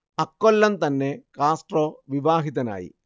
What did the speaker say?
അക്കൊല്ലം തന്നെ കാസ്ട്രോ വിവാഹിതനായി